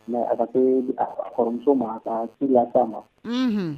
Mais a ka see a kɔrɔmuso ma kaa ci las'a ma uunhun